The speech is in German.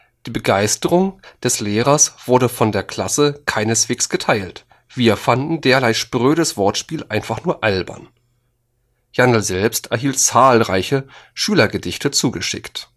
Begeisterung des Lehrers wurde von der Klasse keineswegs geteilt. Wir fanden derlei sprödes Wortspiel einfach nur albern “. Jandl selbst erhielt zahlreiche Schülergedichte zugeschickt